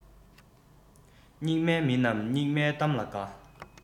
སྙིགས མའི མི རྣམས སྙིགས མའི གཏམ ལ དགའ